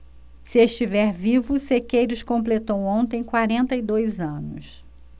se estiver vivo sequeiros completou ontem quarenta e dois anos